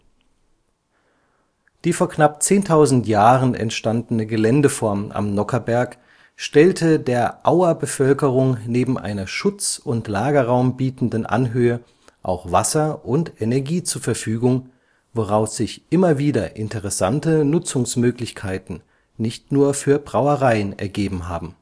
Die vor knapp 10.000 Jahren entstandene Geländeform am Nockherberg stellte der Auer Bevölkerung neben einer Schutz und Lagerraum bietenden Anhöhe auch Wasser und Energie zur Verfügung, woraus sich immer wieder interessante Nutzungsmöglichkeiten nicht nur für Brauereien ergeben haben